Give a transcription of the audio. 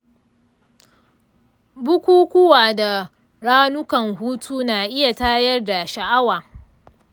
bukukuwa da ranakun hutu na iya tayar da sha’awa.